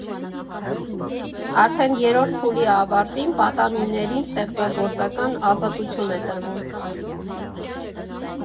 Արդեն երրորդ փուլի ավարտին պատանիներին ստեղծագործական ազատություն է տրվում։